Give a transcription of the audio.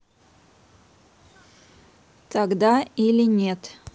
тогда или нет